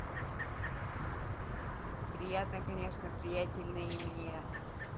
приятно конечно приятельно и мне